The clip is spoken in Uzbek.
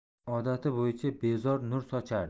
odati bo'yicha beozor nur sochardi